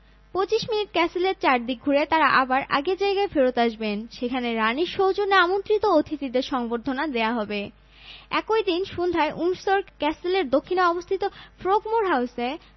২৫ মিনিটে ক্যাসেলের চারদিক ঘুরে তাঁরা আবার আগের জায়গায় ফেরত আসবেন সেখানে রানির সৌজন্যে আমন্ত্রিত অতিথিদের সংবর্ধনা দেওয়া হবে একই দিন সন্ধ্যায় উইন্ডসর ক্যাসেলের দক্ষিণে অবস্থিত ফ্রোগমোর হাউসে